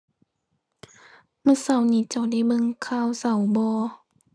มื้อเช้านี้เจ้าได้เบิ่งข่าวเช้าบ่